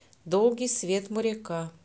долгий свет моряка